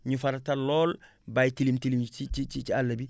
ñu farataal lool bàyyi tilim tilim yi ci ci ci àll bi